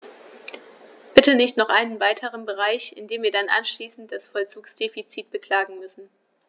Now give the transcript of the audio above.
Bitte nicht noch einen weiteren Bereich, in dem wir dann anschließend das Vollzugsdefizit beklagen müssen.